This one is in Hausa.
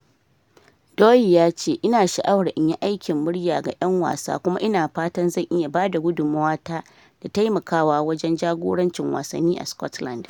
Doyle ya ce: "Ina sha’awar inyi aikin muryar ga 'yan wasa kuma ina fatan zan iya bada gudunmawata da taimakawa wajen jagorancin wasanni a Scotland."